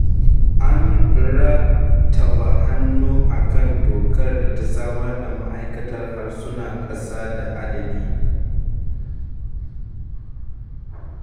'An rattaba hannu a kan dokar da ta samar da Ma'aikatar Harsunan ƙasa da Adabi''.